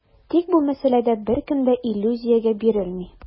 Тик бу мәсьәләдә беркем дә иллюзиягә бирелми.